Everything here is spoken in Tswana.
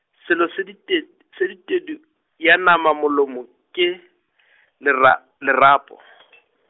selo se dited-, se ditedu ya nama molomo, ke lera-, lerapo .